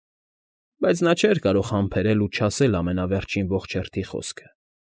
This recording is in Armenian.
Բայց նա չէր կարող համբերել ու չասել ամենավերջին ողջերթի խոսքը։